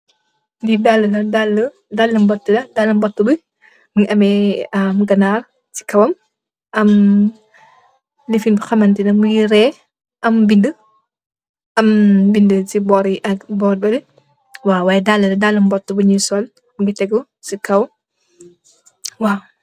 Lii daalë la, daalë mbootu. Daalë mbootu bi ame ganaar si sikowam, am ay mbindë si boor bëlé ak boor bële. Waaw, waay daalë, la, daalë, daalë mbootu.